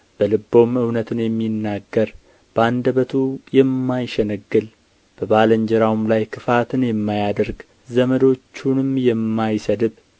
በልቡም እውነትን የሚናገር በአንደበቱ የማይሸነግል በባልንጀራው ላይ ክፋትን የማያደርግ ዘመዶቹንም የማይሰድብ